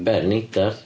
Be neidar?